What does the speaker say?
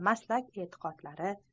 maslak e'tiqodlari